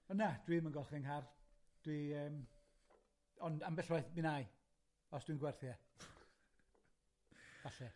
Ond na dwi'm yn golchi'n nghar dwi yym ond ambell waith mi wnâi, os dwi'n gwerthu e. Falle.